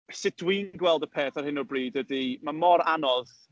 Sut dwi'n gweld y peth ar hyn o bryd ydy, ma' mor anodd…